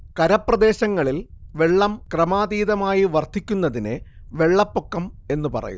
കരപ്രദേശങ്ങളിൽ വെള്ളം ക്രമാതീതമായി വർദ്ധിക്കുന്നതിനെ വെള്ളപ്പൊക്കം എന്നു പറയുന്നു